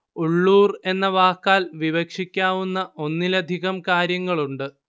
ഉള്ളൂർ എന്ന വാക്കാൽ വിവക്ഷിക്കാവുന്ന ഒന്നിലധികം കാര്യങ്ങളുണ്ട്